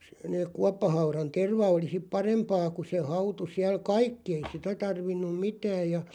se ne kuoppahaudan terva oli sitten parempaa kun se hautui siellä kaikki ei sitä tarvinnut mitään ja